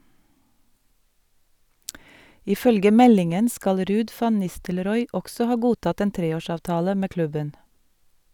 Ifølge meldingen skal Ruud van Nistelrooy også ha godtatt en treårsavtale med klubben.